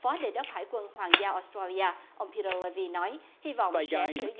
phó đề đốc hải quân hoàng gia ót tro li a ông pi tơ lơ vi nói hy vọng sẽ sử